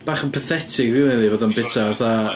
Bach yn pathetic rili fod o'n byta fatha...